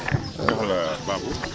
joxal Babou